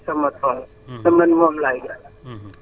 ba mu ñor ma ma wasaare ko ci sama tool